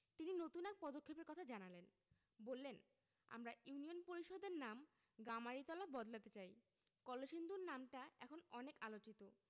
তিনি নতুন এক পদক্ষেপের কথা জানালেন বললেন আমরা ইউনিয়ন পরিষদের নাম গামারিতলা বদলাতে চাই কলসিন্দুর নামটা এখন অনেক আলোচিত